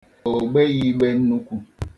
O gbeghị igbe nnukwu.